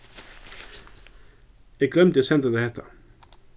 eg gloymdi at senda tær hetta